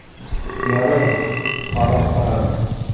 Ярый, карап карармын...